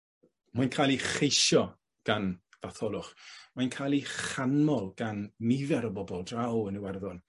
mae'n ca'l 'i cheisio gan Fatholwch. Mae'n ca'l 'i chanmol gan nifer o bobol draw yn Iwerddon.